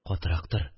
Катырак тор